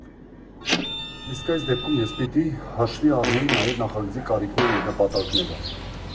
Իսկ այս դեպքում ես պիտի հաշվի առնեի նաև նախագծի կարիքները և նպատակները։